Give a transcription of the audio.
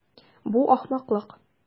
Бу ахмаклык.